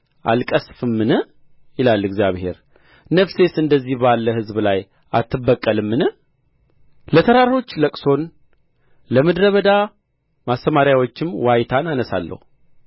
አልቀሥፍምን ይላል እግዚአብሔር ነፍሴስ እንደዚህ ባለ ሕዝብ ላይ አትበቀልምን ለተራሮች ልቅሶን ለምድረ በዳ ማሰማርያዎችም ዋይታን አነሣለሁ